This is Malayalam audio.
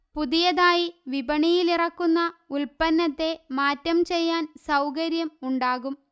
പുതിയതായി വിപണിയിലിറക്കുന്ന ഉല്പ്പന്നത്തെ മാറ്റം ചെയ്യാൻസൌകര്യം ഉണ്ടാകും